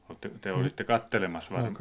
olitteko te olitte katselemassa varmaan